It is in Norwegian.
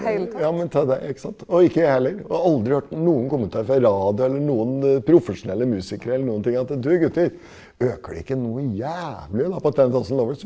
ja men ta deg ikke sant, og ikke jeg heller og aldri hørt noen kommentarer fra radio eller noen profesjonelle musikere eller noen ting, at du gutter øker det ikke noe jævlig da på Ten Thousand Lovers?